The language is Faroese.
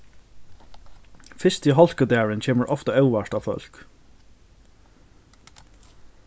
fyrsti hálkudagurin kemur ofta óvart á fólk